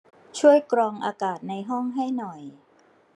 ช่วยกรองอากาศในห้องให้หน่อย